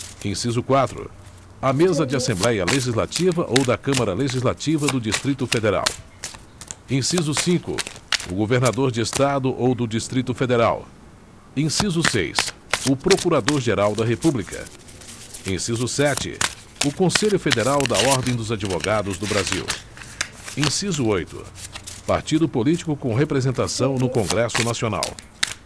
inciso quatro a mesa de assembléia legislativa ou da câmara legislativa do distrito federal inciso cinco o governador de estado ou do distrito federal inciso seis o procurador geral da república inciso sete o conselho federal da ordem dos advogados do brasil inciso oito partido político com representação no congresso nacional